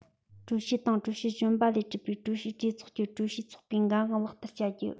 ཀྲུའུ ཞི དང ཀྲུའུ ཞི གཞོན པ ལས གྲུབ པའི ཀྲུའུ ཞིའི གྲོས ཚོགས ཀྱིས ཀྲུའུ ཞིའི ཚོགས པའི འགན དབང ལག བསྟར བྱ རྒྱུ